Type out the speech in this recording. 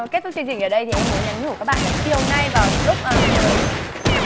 kết thúc chương trình ở đây thì em muốn nhắn nhủ các bạn là chiều nay vào lúc a mười